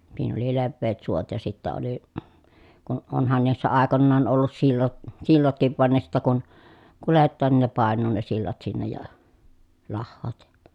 siinä oli leveät suot ja sitten oli kun onhan niissä aikoinaan ollut - sillatkin vaan ne sitten kun kuljetaan niin ne painuu ne sillat sinne ja lahoavat ja